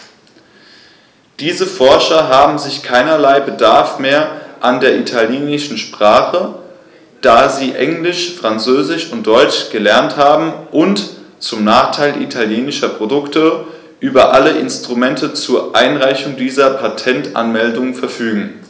Diese Forscher haben sicher keinerlei Bedarf mehr an der italienischen Sprache, da sie Englisch, Französisch und Deutsch gelernt haben und, zum Nachteil italienischer Produkte, über alle Instrumente zur Einreichung dieser Patentanmeldungen verfügen.